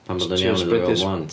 Pam bod o'n iawn iddo fo gael plant?